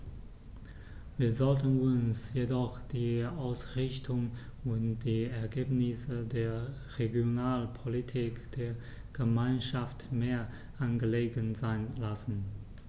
Wir sollten uns jedoch die Ausrichtung und die Ergebnisse der Regionalpolitik der Gemeinschaft mehr angelegen sein lassen.